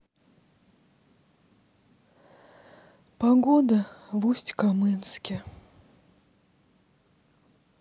погода в усть камынске